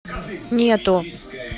нету